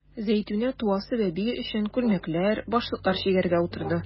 Зәйтүнә туасы бәбие өчен күлмәкләр, башлыклар чигәргә утырды.